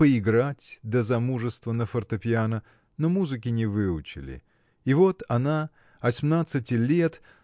поиграть до замужества на фортепиано но музыке не выучили. И вот она осьмнадцати лет